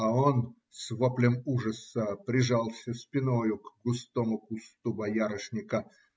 А он с воплем ужаса прижался спиною к густому кусту боярышника.